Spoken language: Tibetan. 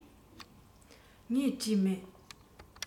ངས བྲིས མེད